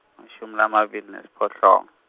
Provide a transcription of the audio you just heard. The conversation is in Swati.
emashumi lamabili nesiphohlongo.